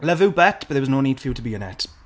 love you butt, but there was no need for you to be in it.